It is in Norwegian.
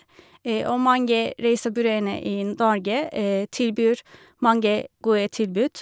Og mange reisebyråene i Norge tilbyr mange gode tilbud.